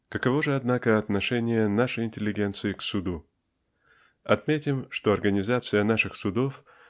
Каково же, однако, отношение нашей интеллигенции к суду? Отметим что организация наших судов